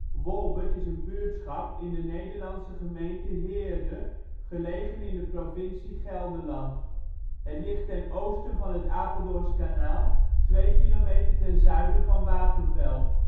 Wolbert is een buurtschap in de Nederlandse gemeente Heerde, gelegen in de provincie Gelderland. Het ligt ten oosten van het Apeldoorns Kanaal 2 kilometer ten zuiden van Wapenveld